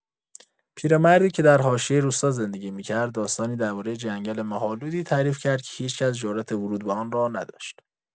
پیرمردی که در حاشیه روستا زندگی می‌کرد، داستانی درباره جنگل مه‌آلودی تعریف کرد که هیچ‌کس جرات ورود به آن را نداشت.